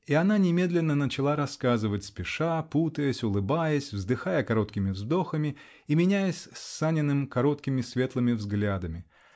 И она немедленно начала рассказывать, спеша, путаясь, улыбаясь, вздыхая короткими вздохами и меняясь с Саниным короткими светлыми взглядами.